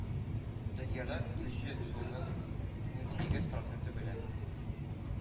Дөньяда төче суның унсигез проценты белән